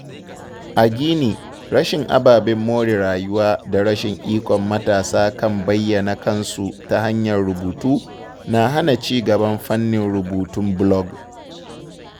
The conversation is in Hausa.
A Guinea, rashin ababen more rayuwa da rashin ikon matasa kan bayyana kansu ta hanyar rubutu na hana cigaban fannin rubutun blog.